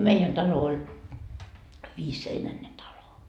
meidän talo oli viisiseinäinen talo